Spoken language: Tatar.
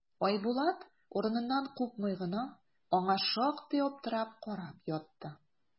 Айбулат, урыныннан купмый гына, аңа шактый аптырап карап ятты.